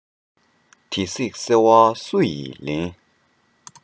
དེ བསྲེགས སོལ བ སུ ཞིག ལེན